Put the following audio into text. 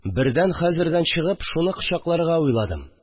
Бердән хәзердән чыгып шуны кочакларга уйладым